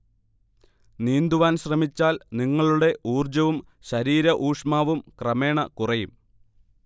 നീന്തുവാൻ ശ്രമിച്ചാൽ നിങ്ങളുടെ ഊർജവും ശരീര ഊഷ്മാവും ക്രമേണ കുറയും